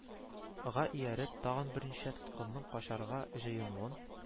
Га ияреп тагын берничә тоткынның качарга җыенуын